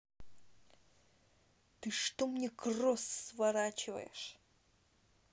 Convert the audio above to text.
ты что мне cross сворачиваешь